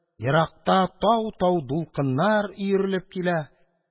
Ерактан тау-тау дулкыннар өерелеп килә.